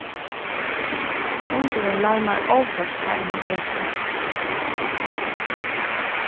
hundurin larmar óført tá ið hann etur